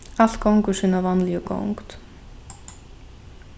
alt gongur sína vanligu gongd